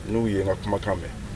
N'u ye n ka kumakan mɛn